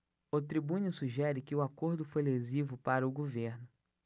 o tribune sugere que o acordo foi lesivo para o governo